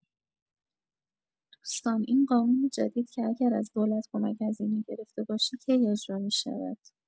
دوستان این قانون جدید که اگه از دولت کمک‌هزینه گرفته باشی کی اجرا می‌شود؟